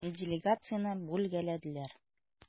Делегацияне бүлгәләделәр.